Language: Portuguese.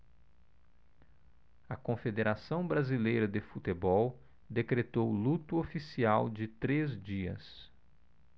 a confederação brasileira de futebol decretou luto oficial de três dias